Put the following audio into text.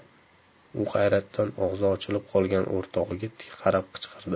u hayratdan og'zi ochilib qolgan o'rtog'iga tik qarab qichqirdi